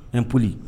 N pauloli